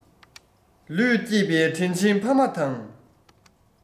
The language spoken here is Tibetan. ལུས བསྐྱེད པའི དྲིན ཆེན ཕ མ དང